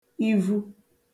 ivu